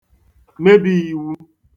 mebī īwū